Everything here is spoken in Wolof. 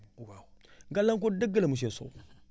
waaw gàllankoor dëgg la monsieur Sow